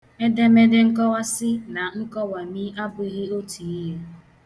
Edemede nkọwasị na nkọwami abụghị otu ihe.